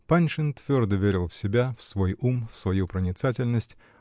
Паншин твердо верил в себя, в свой ум, в свою проницательность